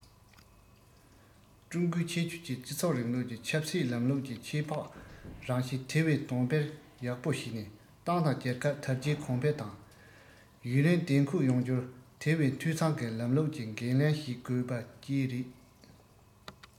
ཀྲུང གོའི ཁྱད ཆོས ཀྱི སྤྱི ཚོགས རིང ལུགས ཀྱི ཆབ སྲིད ལམ ལུགས ཀྱི ཁྱད འཕགས རང བཞིན དེ བས འདོན སྤེལ ཡག པོ བྱས ནས ཏང དང རྒྱལ ཁབ དར རྒྱས གོང འཕེལ དང ཡུན རིང བདེ འཁོད ཡོང རྒྱུར དེ བས འཐུས ཚང གི ལམ ལུགས ཀྱི འགན ལེན བྱེད དགོས པ བཅས རེད